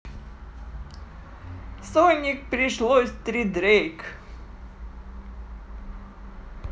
sonic пришлось три дрейк